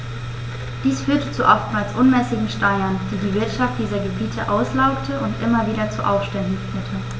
Dies führte zu oftmals unmäßigen Steuern, die die Wirtschaft dieser Gebiete auslaugte und immer wieder zu Aufständen führte.